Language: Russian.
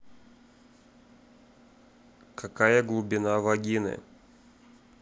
какая глубина вагины